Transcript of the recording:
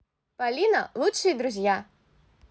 полина лучшие друзья